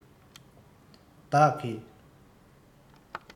བདག གིས